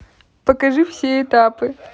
покажи все этапы